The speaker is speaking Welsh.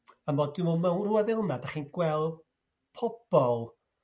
A mo- dwi me'l mew' rywla fel 'na 'dach chi'n gwel' pobol,